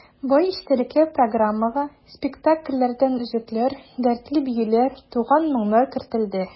Бай эчтәлекле программага спектакльләрдән өзекләр, дәртле биюләр, туган моңнар кертелгән.